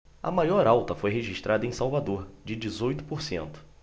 a maior alta foi registrada em salvador de dezoito por cento